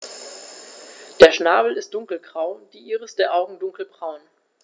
Der Schnabel ist dunkelgrau, die Iris der Augen dunkelbraun.